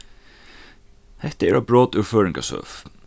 hetta er eitt brot úr føroyingasøgu